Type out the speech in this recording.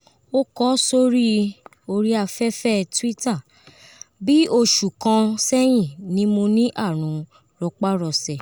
O kọ sori Twitter: “Bi oṣu kan sẹhin ni mo ni arun rọparọsẹ.